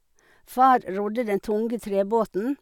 Far rodde den tunge trebåten.